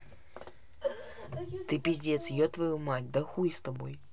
ты пиздец еб твою мать да хуй с тобой